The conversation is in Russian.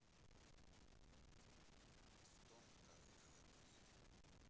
тритон карликовая планета